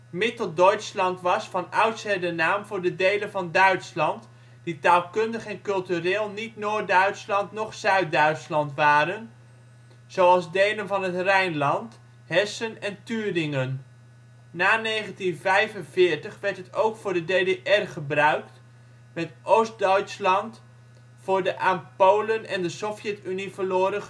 Mitteldeutschland was van oudsher de naam voor de delen van Duitsland, die taalkundig en cultureel niet Noord-Duitsland noch Zuid-Duitsland waren, zoals delen van het Rijnland, Hessen en Thüringen. Na 1945 werd het ook voor de DDR gebruikt, met Ostdeutschland voor de aan Polen en de Sovjet-Unie verloren